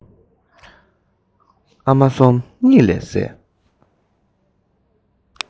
ཨ མ གསུམ གཉིད ལས སད